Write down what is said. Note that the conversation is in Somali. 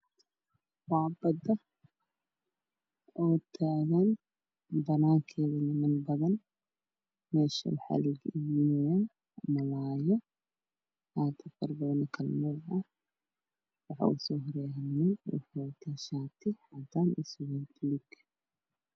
Waa badda waxaa banaankeeda taagan niman badan meesha waxaa lugu gadooya malaayo aad u faro badan, waxaa ugu soo horeeyo nin waxuu wataa shaati cadaan ah iyo surwaal buluug ah.